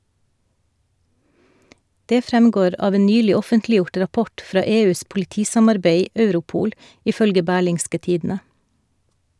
Det fremgår av en nylig offentliggjort rapport fra EUs politisamarbeid Europol, ifølge Berlingske Tidende.